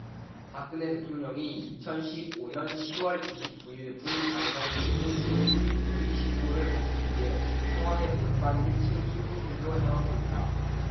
박근혜 대통령이 이천 십 오 년 시 월 이십 구 일 군 장성 승진 및 보직신고를 받기 위해 청와대 본관 일 층 충무실로 향하고 있다